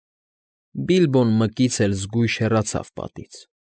Բիլբոն մկից էլ զգույշ հեռացավ պատից։